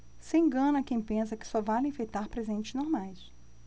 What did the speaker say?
se engana quem pensa que só vale enfeitar presentes normais